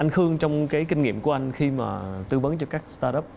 anh khương trong cái kinh nghiệm của anh khi mà tư vấn cho các sờ ta ắp